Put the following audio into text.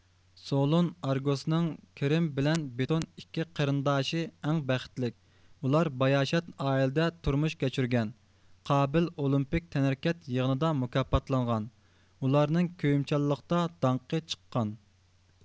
سولۇن ئارگوسنىڭ كىرىم بىلەن بتون ئىككى قېرىنداشى ئەڭ بەختلىك ئۇلار باياشات ئائىلىدە تۇرمۇش كۆچۈرگەن قابىل ئولىمپىك تەنھەرىكەت يىغىنىدا مۇكاپاتلانغان ئۇلارنىڭ كۆيۈمچانلىقتا داڭقى چىققان